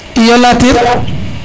iyo Latir